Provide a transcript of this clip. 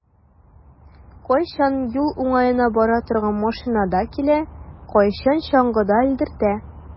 Кайчан юл уңаена бара торган машинада килә, кайчан чаңгыда элдертә.